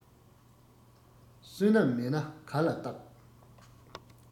བསོད ནམས མེད ན ག ལ རྟག